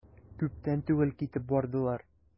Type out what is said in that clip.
Күптән түгел китеп бардылар.